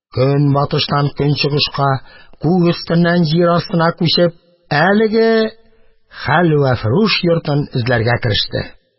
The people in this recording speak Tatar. Көнбатыштан көнчыгышка, күк өстеннән җир астына күчеп, әлеге хәлвәфрүш йортын эзләргә кереште.